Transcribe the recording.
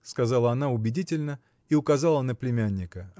– сказала она убедительно и указала на племянника.